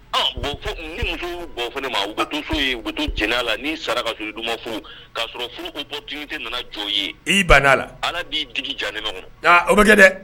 Ni muso bɔ fɔ ne ma u ka to so utu j la ni sara ka so dumanuma furu k'a sɔrɔ furu bɔte nana jɔn ye i banna'a la ala b'i du jan ne nɔn kɔnɔ o bɛ kɛ dɛ